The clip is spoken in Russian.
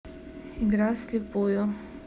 игра вслепую